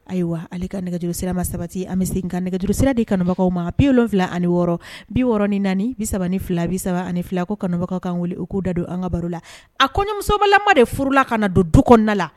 Ayiwa ale ka nɛgɛjurusira ma sabati an be segin ka nɛgɛjurusira di kanubagakaw ma 76 64 32 32 ko kanubagaw k'an weele u k'u da don an ŋa baro la a kɔɲɔmusobalama de furula kana don du kɔɔna la